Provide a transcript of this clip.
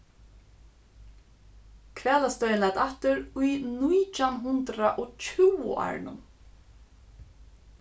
hvalastøðin læt aftur í nítjanhundraðogtjúguárunum